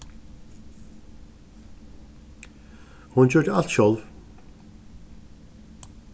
hon gjørdi alt sjálv